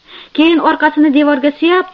keyin orqasini devorga suyab